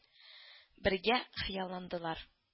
Бергә хыялландылар